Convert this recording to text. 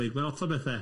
Oedd o'n lot o bethau.